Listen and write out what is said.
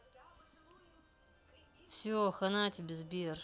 все хана тебе сбер